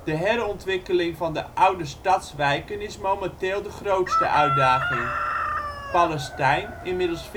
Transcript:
herontwikkeling van de oude stadswijken is momenteel de grootste uitdaging. Palenstein, inmiddels